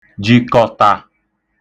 jìkọ̀(tà)